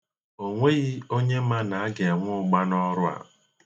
O nweghị onye ma na a ga-enwe ụgba n'ọrụ a